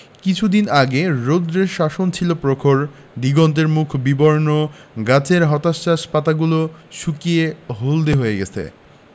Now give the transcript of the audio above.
কিছুদিন আগে রৌদ্রের শাসন ছিল প্রখর দিগন্তের মুখ বিবর্ণ গাছের হতাশ্বাস পাতাগুলো শুকিয়ে হলদে হয়ে গেছে